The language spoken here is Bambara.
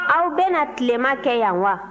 aw bɛ na tilema kɛ yan wa